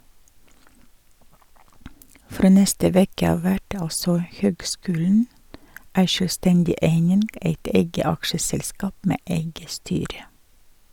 Frå neste veke av vert altså høgskulen ei sjølvstendig eining, eit eige aksjeselskap med eige styre.